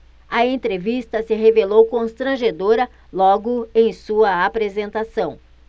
a entrevista se revelou constrangedora logo em sua apresentação